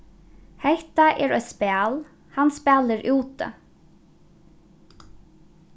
hetta er eitt spæl hann spælir úti